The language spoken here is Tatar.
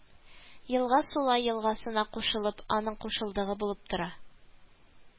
Елга Сула елгасына кушылып, аның кушылдыгы булып тора